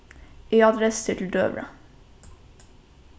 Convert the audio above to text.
eg át restir til døgurða